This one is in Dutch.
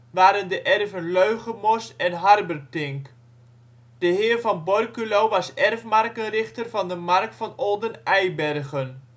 waren de erven Leugemors en Harbertink. De heer van Borculo was erfmarkenrichter van de mark van Olden Eibergen